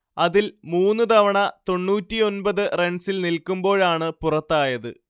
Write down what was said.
അതിൽ മൂന്ന് തവണ തൊണ്ണൂറ്റിയൊൻപത് റൺസിൽ നിൽക്കുമ്പോഴാണ് പുറത്തായത്